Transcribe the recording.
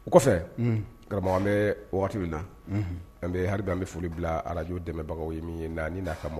O kɔfɛ karamɔgɔraba an bɛ waati min na an bɛ an bɛ foli bila arajo dɛmɛbagaw ye min ye na'a ka mɔ